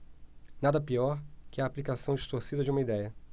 nada pior que a aplicação distorcida de uma idéia